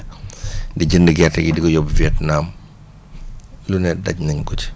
di jënd gerte gi di ko yóbbu Viétnam lu ne daj nañ ko ci